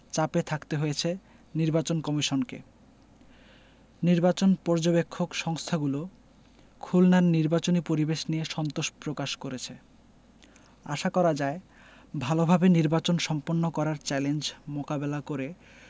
চাপে থাকতে হয়েছে নির্বাচন কমিশনকে নির্বাচন পর্যবেক্ষক সংস্থাগুলো খুলনার নির্বাচনী পরিবেশ নিয়ে সন্তোষ প্রকাশ করেছে আশা করা যায় ভালোভাবে নির্বাচন সম্পন্ন করার চ্যালেঞ্জ মোকাবেলা করে